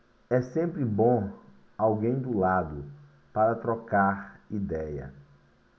é sempre bom alguém do lado para trocar idéia